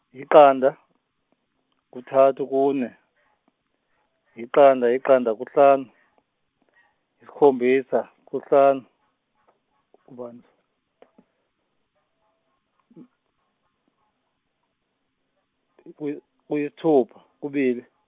yiqanda kuthathu kune iqanda iqanda kuhlanu, isikhombisa kuhlanu, kuyi- kuyisithupha kubili.